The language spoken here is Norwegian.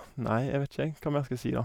Nei, jeg vet ikke, jeg, hva mer skal jeg si, da.